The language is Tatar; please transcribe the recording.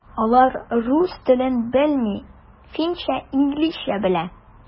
Алар рус телен белми, финча, инглизчә белә.